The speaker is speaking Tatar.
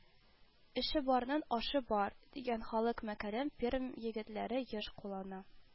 Эше барның ашы бар” дигән халык мәкален Пермь егетләре еш куллана